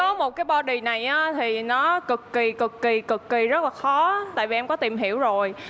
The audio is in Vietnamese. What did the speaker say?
có một cái bo đì này á thì nó cực kỳ cực kỳ cực kỳ rất là khó tại vì em có tìm hiểu rồi